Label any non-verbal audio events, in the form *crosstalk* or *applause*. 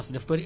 *hesitation* *hesitation*